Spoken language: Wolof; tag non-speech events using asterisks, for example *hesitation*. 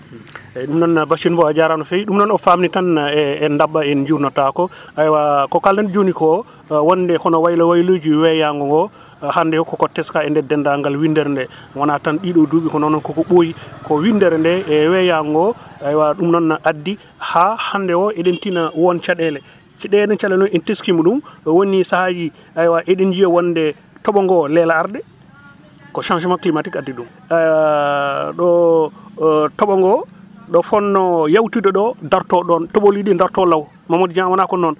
*hesitation* *breath*